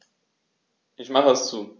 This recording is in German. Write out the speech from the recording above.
Ich mache es zu.